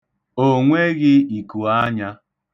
O nweghị ikuanya.